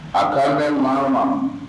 A ka bɛ mara ma